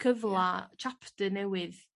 cyfla chapter newydd.